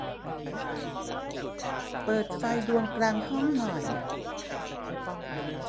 เปิดไฟดวงกลางห้องหน่อย